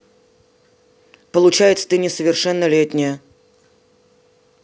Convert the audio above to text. получается ты несовершеннолетняя